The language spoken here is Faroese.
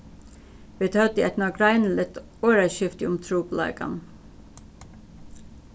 vit høvdu eitt nágreiniligt orðaskifti um trupulleikan